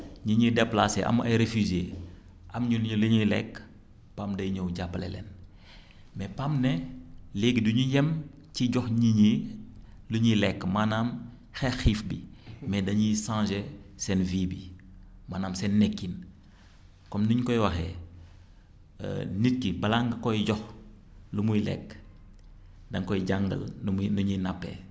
nit ñiy déplacé am ay refugié amuñu lu ñu lu ñuy lekk PAM day ñëw jàppale leen mais PAM ne léegi du ñu yem ci jox nit ñi lu ñuy lekk maanaam xeex xiif bi mais dañuy changé seen vie bi maanaam seen nekkin comme ni ñu koy waxee nit ki balaa nga koy jox lu muy lekk da nga koy jàngal nu muy ni ñuy nappee